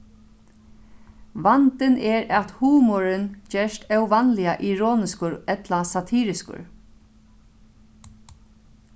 vandin er at humorin gerst óvanliga ironiskur ella satiriskur